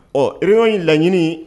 Ɔ ireyɔn y ye laɲini